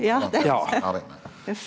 ja det huff.